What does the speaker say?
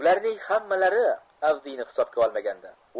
ularning hammalari avdiyni hisobga olmaganda